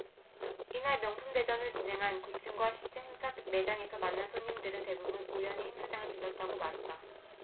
이날 명품대전을 진행한 구 층과 십 층 행사 매장에서 만난 손님들은 대부분 우연히 행사장을 들렀다고 말했다